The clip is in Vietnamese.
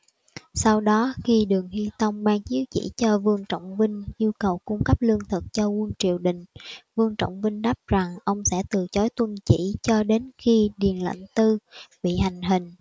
sau đó khi đường hy tông ban chiếu chỉ cho vương trọng vinh yêu cầu cung cấp lương thực cho quân triều đình vương trọng vinh đáp rằng ông sẽ từ chối tuân chỉ cho đến khi điền lệnh tư bị hành hình